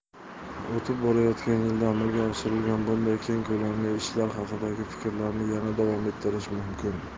o'tib borayotgan yilda amalga oshirilgan bunday keng ko'lamli ishlar haqidagi fikrlarni yana davom ettirish mumkin